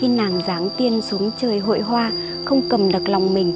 khi nàng giáng tiên xuống chơi hội hoa không cầm được lòng mình